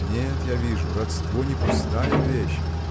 нет, я вижу, родство не пустая вещь